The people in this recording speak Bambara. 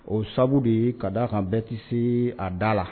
O sabu de ka d'a kan bɛɛ tɛ se a da la